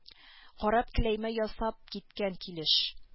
Карап келәймә ясап киткән килеш